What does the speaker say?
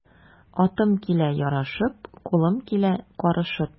Атым килә ярашып, кулым килә карышып.